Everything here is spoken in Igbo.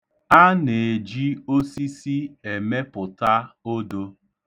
A na-eji osisi emepụta odo.